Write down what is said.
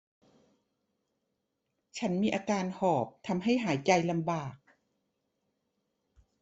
ฉันมีอาการหอบทำให้หายใจลำบาก